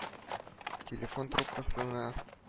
Телефон трубкасына